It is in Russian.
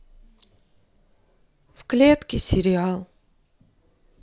в клетке сериал